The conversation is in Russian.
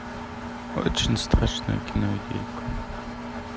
очень страшное кино индейка